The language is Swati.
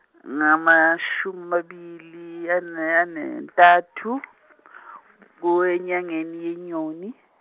ngemashumi mabili nakutsatfu, kunye enyangeni yeNyoni.